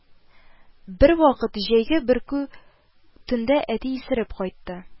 Бервакыт җәйге бөркү төндә әти исереп кайтты